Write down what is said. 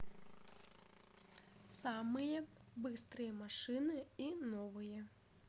самые быстрые машины и новые